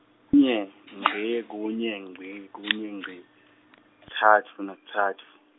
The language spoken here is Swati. -nye, engci, kunye, ngci, kunye ngci, -tsatfu, nakutsatfu.